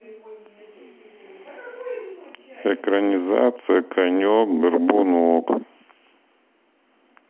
экранизация конек горбунок